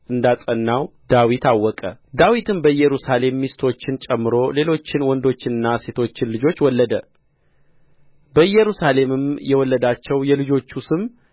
እንዳጸናው ዳዊት አወቀ ዳዊትም በኢየሩሳሌም ሚስቶችን ጨምሮ ሌሎችን ወንዶችንና ሴቶችን ልጆች ወለደ በኢየሩሳሌምም የወለዳቸው የልጆቹ ስም